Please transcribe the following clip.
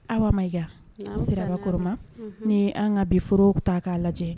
Aw ma siraka koroma ni an ka bi foro ta k'a lajɛ